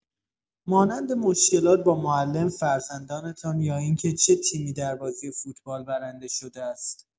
مانند مشکلات با معلم فرزندتان یا اینکه چه تیمی در بازی فوتبال برنده شده است.